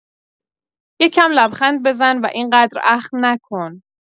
یه کم لبخند بزن و اینقدر اخم نکن